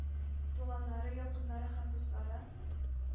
Туганнары, якыннары һәм дуслары,